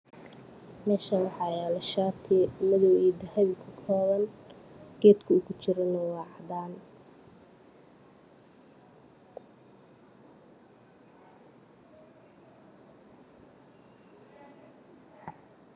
Meeshaan waxaa yaalo shaati madow iyo dahabi ka kooban yahay geedka uu kujirana waa cadaan.